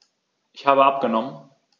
Ich habe abgenommen.